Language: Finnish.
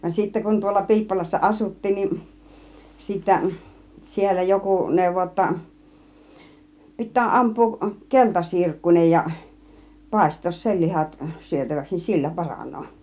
vaan sitten kun tuolla Piippolassa asuttiin niin sitten siellä joku neuvoi jotta pitää ampua - keltasirkkunen ja paistaa sen lihat syötäväksi niin sillä paranee